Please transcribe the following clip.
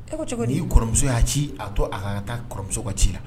E ko cogo ko di? N'i kɔrɔmuso y'a ci, a to a ka taa kɔrɔmuso ka ci la.